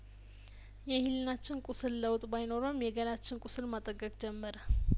የህሊናችን ቁስል ለውጥ ባይኖረውም የገላችን ቁስል ማ ጠገግ ጀመረ